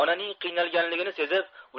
onaning qiynalganligini sezib